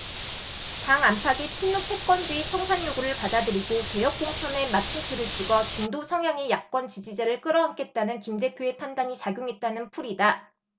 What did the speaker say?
당 안팎의 친노패권주의 청산 요구를 받아들이고 개혁공천의 마침표를 찍어 중도성향의 야권 지지자를 끌어안겠다는 김 대표의 판단이 작용했다는 풀이다